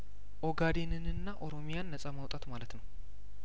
ኦጋዴንንና ኦሮምያን ነጻ ማውጣት ማለት ነው